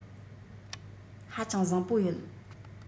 ཧ ཅང བཟང པོ ཡོད